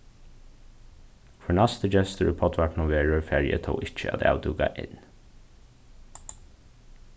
hvør næsti gestur í poddvarpinum verður fari eg tó ikki at avdúka enn